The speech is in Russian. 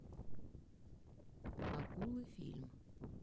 акулы фильм